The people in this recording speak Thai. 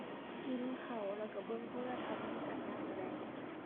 กินข้าวแล้วก็เบิ่งโทรทัศน์นำกันยามมื้อแลง